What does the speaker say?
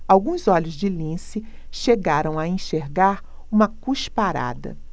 alguns olhos de lince chegaram a enxergar uma cusparada